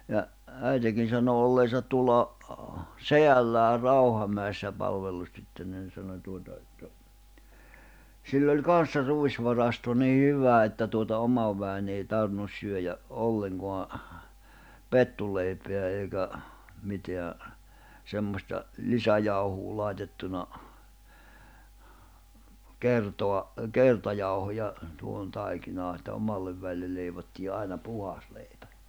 ja äitikin sanoi olleensa tuolla sedällään Rauhamäissä palvelustyttönä niin sanoi tuota että sillä oli kanssa ruisvarasto niin hyvä että tuota oman väen ei tarvinnut syödä ollenkaan pettuleipää eikä mitään semmoista lisäjauhoa laitettuna kertaa kertajauhoja tuohon taikinaan että omalle väelle leivottiin aina puhdas leipä